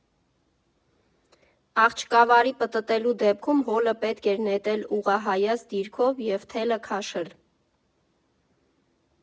«Աղջկավարի» պտտելու դեպքում հոլը պետք էր նետել ուղղահայաց դիրքով և թելը քաշել։